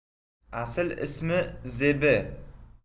asl ismi zebi